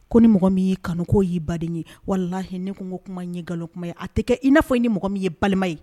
Ko ni mɔgɔ min y'i kanu ko y'i baden ye walahi ne ko kuma in ye nkalon kuma ye a tɛ kɛ i n'a fɔ i ni mɔgɔ min ye balima ye.